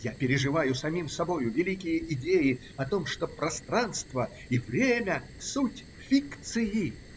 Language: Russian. Я переживаю самим собою великие идеи о том, что пространство и время суть фикции.